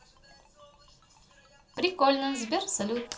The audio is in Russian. прикольно сбер салют